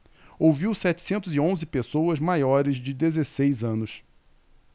ouviu setecentos e onze pessoas maiores de dezesseis anos